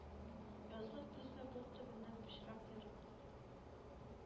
Язлы-көзле бот төбеннән пычрак ерып,